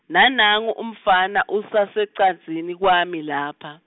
Nanangu umfana usasecadzini kwami lapha.